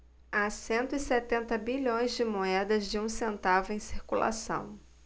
há cento e setenta bilhões de moedas de um centavo em circulação